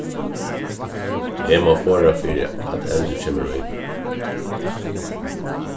eg má forða fyri at eldur kemur í